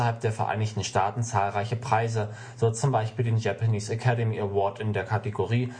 der Vereinigten Staaten zahlreiche Preise, so zum Beispiel den Japanese Academy Award in der Kategorie